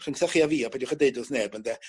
rhynctach chi a fi a peidiwch â deud wrth neb ynde